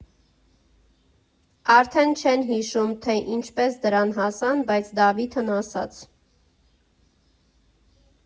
Արդեն չեն հիշում, թե ինչպես դրան հասան, բայց Դավիթն ասաց.